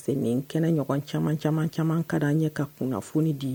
Se nin kɛnɛɲɔgɔn caman caman caman ka di' ɲɛ ka kunnaf kunnafonioni di ye